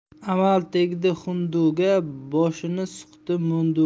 amal tegdi hunduga boshini suqdi mo'nduga